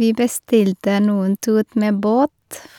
Vi bestilte noen tur med båt